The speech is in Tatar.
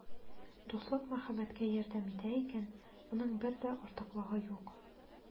Дуслык мәхәббәткә ярдәм итә икән, моның бер дә артыклыгы юк.